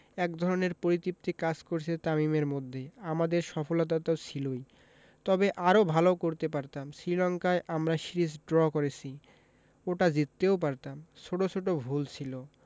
একধরনের পরিতৃপ্তি কাজ করছে তামিমের মধ্যে আমাদের সফলতা তো ছিলই তবে আরও ভালো করতে পারতাম শ্রীলঙ্কায় আমরা সিরিজ ড্র করেছি ওটা জিততেও পারতাম ছোট ছোট ভুল ছিল